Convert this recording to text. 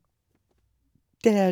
Det...